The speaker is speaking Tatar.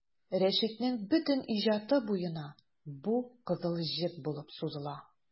Рәшитнең бөтен иҗаты буена бу кызыл җеп булып сузыла.